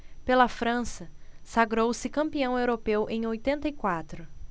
pela frança sagrou-se campeão europeu em oitenta e quatro